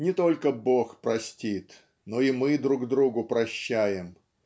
Не только Бог простит, но и мы друг другу прощаем.